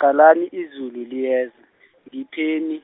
qalani izulu liyeza, ngipheni,